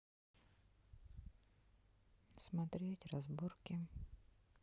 смотреть разборки